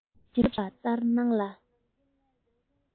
འབབ བཞིན པ ལྟར སྣང ལ